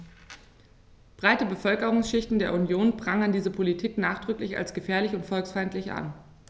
Breite Bevölkerungsschichten der Union prangern diese Politik nachdrücklich als gefährlich und volksfeindlich an.